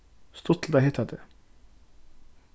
stuttligt at hitta teg